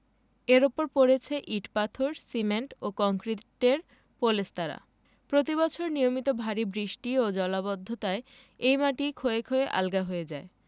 এর ওপর পড়েছে ইট পাথর সিমেন্ট ও কংক্রিটের পলেস্তারা প্রতিবছর নিয়মিত ভারি বৃষ্টি ও জলাবদ্ধতায় এই মাটি ক্ষয়ে ক্ষয়ে আলগা হয়ে যায়